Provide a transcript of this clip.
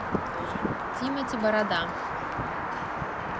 тимати борода